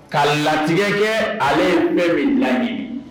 Kalan latigɛkɛ ale bɛɛ min laɲinimi